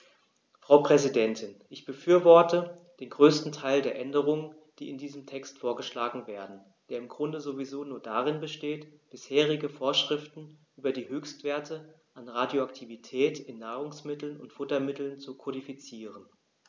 Frau Präsidentin, ich befürworte den größten Teil der Änderungen, die in diesem Text vorgeschlagen werden, der im Grunde sowieso nur darin besteht, bisherige Vorschriften über die Höchstwerte an Radioaktivität in Nahrungsmitteln und Futtermitteln zu kodifizieren.